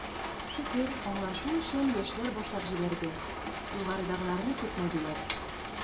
Шөкер, аңлашу эшен, яшьләр башлап җибәрде, югарыдагыларны көтмәделәр.